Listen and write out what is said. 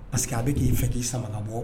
Parceri que a bɛ k'i fɛ k'i sama bɔ